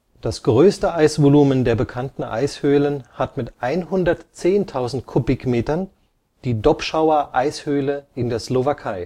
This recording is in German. Das größte Eisvolumen der bekannten Eishöhlen hat mit 110.000 Kubikmetern die Dobšinská ľadová jaskyňa in der Slowakei. Die